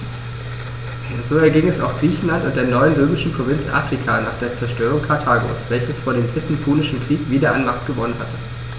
So erging es auch Griechenland und der neuen römischen Provinz Afrika nach der Zerstörung Karthagos, welches vor dem Dritten Punischen Krieg wieder an Macht gewonnen hatte.